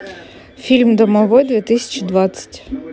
фильм домовой две тысячи двадцать